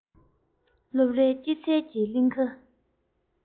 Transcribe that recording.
སློབ རའི སྐྱེད ཚལ གྱི གླིང ག